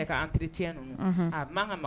Cɛ ka entretien ninnu a ma kan